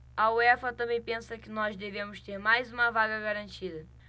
a uefa também pensa que nós devemos ter mais uma vaga garantida